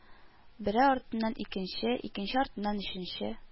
Бере артыннан икенчене, икенче артыннан өченче